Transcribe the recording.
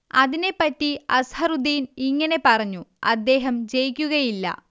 അതിനെപ്പറ്റി അസ്ഹറുദ്ദീൻ ഇങ്ങനെ പറഞ്ഞു അദ്ദേഹം ജയിക്കുകയില്ല